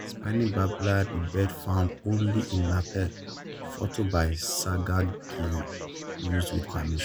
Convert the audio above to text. Spiny Babbler, the bird found only in Nepal. Photo by Sagar Giri. Used with permission.